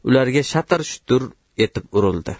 ularga shatir shutur etib urildi